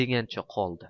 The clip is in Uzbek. deganicha qoldi